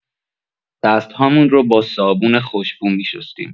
دست‌هامون رو با صابون خوشبو می‌شستیم.